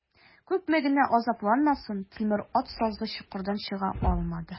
Күпме генә азапланмасын, тимер ат сазлы чокырдан чыга алмады.